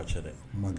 Manden